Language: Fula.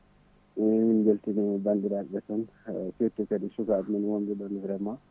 eyyi min beltini bandirɓe foof ha surtout kadi sukaɓe men wonɓe vraiment